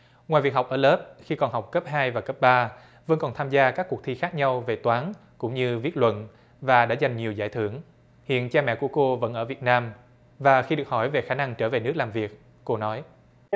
ngoài việc học ở lớp khi còn học cấp hai và cấp ba vân còn tham gia các cuộc thi khác nhau về toán cũng như viết luận và đã giành nhiều giải thưởng hiện cha mẹ của cô vẫn ở việt nam và khi được hỏi về khả năng trở về nước làm việc cô nói